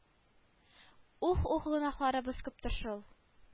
Ух-ух гөнаһларыбыз күптер шул